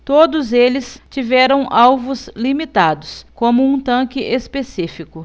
todos eles tiveram alvos limitados como um tanque específico